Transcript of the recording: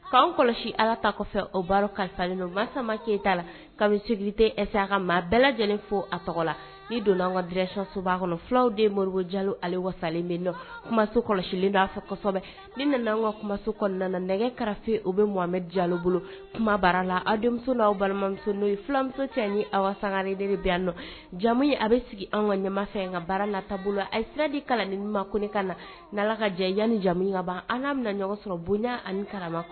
Kaan kɔlɔsi ala ta kɔfɛ o baara kalifama keyita la kate ka maa bɛɛ lajɛlen fo a tɔgɔ la donna an kareso kɔnɔ fulaw de mori ja ale wasalenso kɔlɔsisɔ kosɛbɛ nana an ka kumaso nɛgɛ karafe u bɛ mɔgɔmɛ ja bolo kumabara lami n'aw balimamuso'o ye filamuso cɛ ni awsagared bɛ nɔ jamu a bɛ sigi an ka ɲɛ fɛ an ka baara nata bolo a siradi kalan ni ma kokan na n ka jan yanani jamu ka ban an ka na ɲɔgɔn sɔrɔ bonya ani kara